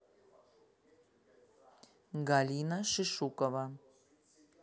галина шишукова